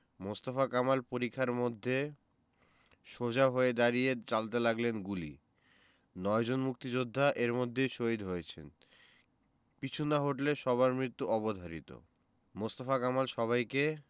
মোস্তফা কামাল পরিখার মধ্যে সোজা হয়ে দাঁড়িয়ে চালাতে লাগলেন গুলি নয়জন মুক্তিযোদ্ধা এর মধ্যেই শহিদ হয়েছেন পিছু না হটলে সবার মৃত্যু অবধারিত মোস্তফা কামাল সবাইকে